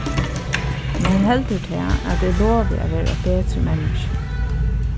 men heldur tað at eg lovi at verða eitt betri menniskja